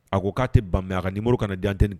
A ko k'a tɛ ban mais a ka numéro kana di antenne